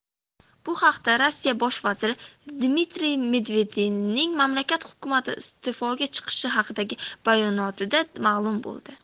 bu haqda rossiya bosh vaziri dmitriy medvedevning mamlakat hukumati iste'foga chiqishi haqidagi bayonotida ma'lum bo'ldi